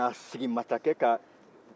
ka n'a sigi masakɛ ka